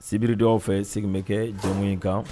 Sibiri dɔw aw fɛ sigi bɛ kɛ jɔn in kan